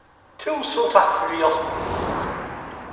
túsund takk fyri hjálpina